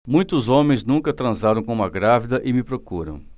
muitos homens nunca transaram com uma grávida e me procuram